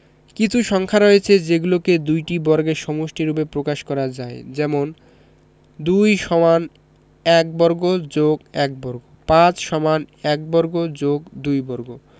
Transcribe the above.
কিছু সংখ্যা রয়েছে যেগুলোকে দুইটি বর্গের সমষ্টিরুপে প্রকাশ করা যায় যেমনঃ ২ = ১ বর্গ + ১ বর্গ ৫ = ১ বর্গ + ২ বর্গ